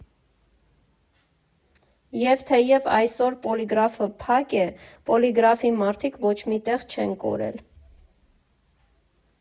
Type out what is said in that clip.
Եվ թեև այսօր Պոլիգրաֆը փակ է, Պոլիգրաֆի մարդիկ ոչ մի տեղ չեն կորել։